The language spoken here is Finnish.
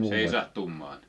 seisahtumaan